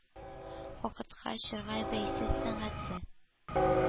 Вакытка, чорга бәйсез сәнгате.